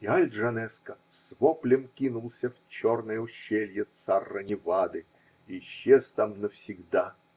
И Аль-Джанеско с воплем кинулся в черное ущелье Царра-Невады и исчез там навсегда.